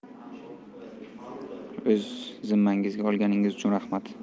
o'z zimmangizga olganingiz uchun rahmat